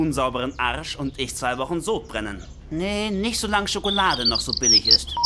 sauberen Arsch und ich zwei Wochen Sodbrennen. “oder „ Nicht solange Schokolade noch so billig ist